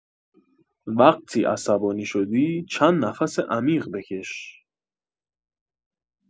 وقتی عصبانی شدی چند نفس عمیق بکش